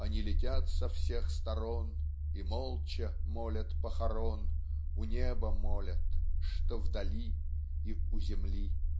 Они летят со всех сторон И молча молят похорон У неба молят что вдали И у земли.